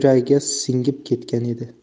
yuragiga singib ketgan edi